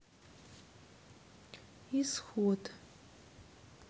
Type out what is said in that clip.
исход